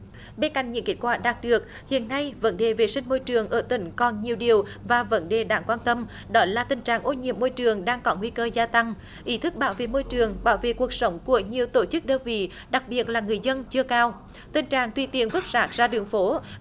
bên cạnh những kết quả đạt được hiện nay vấn đề vệ sinh môi trường ở tỉnh còn nhiều điều và vấn đề đáng quan tâm đó là tình trạng ô nhiễm môi trường đang có nguy cơ gia tăng ý thức bảo vệ môi trường bảo vệ cuộc sống của nhiều tổ chức đơn vị đặc biệt là người dân chưa cao tình trạng tùy tiện vứt rác ra đường phố